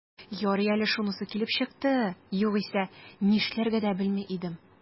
Ярый әле шунысы килеп чыкты, югыйсә, нишләргә дә белми идем...